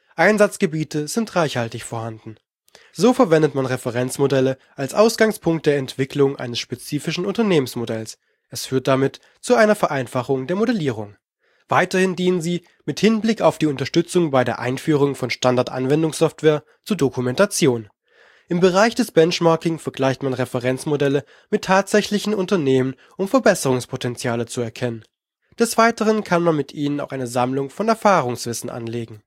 Einsatzgebiete sind reichhaltig vorhanden: So verwendet man Referenzmodelle als Ausgangspunkt der Entwicklung eines spezifischen Unternehmensmodells, es führt damit zu einer Vereinfachung der Modellierung. Weiterhin dienen sie, mit Hinblick auf die Unterstützung bei der Einführung von Standardanwendungssoftware, zur Dokumentation. Im Bereich des Benchmarking vergleicht man Referenzmodelle mit tatsächlichen Unternehmen um Verbesserungspotentiale zu erkennen. Des Weiteren kann man mit ihnen auch eine Sammlung von Erfahrungswissen anlegen